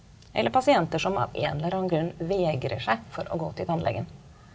eller pasienter som av en eller annen grunn vegrer seg for å gå til tannlegen.